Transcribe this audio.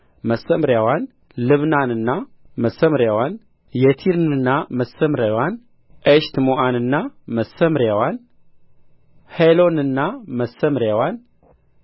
መሰምርያዋን ልብናንና መሰምርያዋን የቲርንና መሰምርያዋን ኤሽትሞዓንና መሰምርያዋን ሖሎንንና መሰምርያዋን